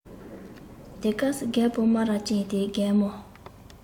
དེ སྐབས སུ རྒད པོ རྨ ར ཅན དེས རྒད མོ